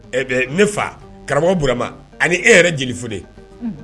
E bɛ ne fa, karamɔgɔ Burama ani e yɛrɛ jeli Fode